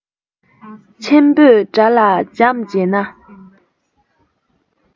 ཆེན པོས དགྲ ལ བྱམས བྱས ན